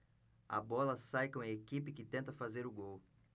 a bola sai com a equipe que tenta fazer o gol